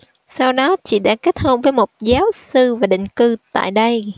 sau đó chị đã kết hôn với một giáo sư và định cư tại đây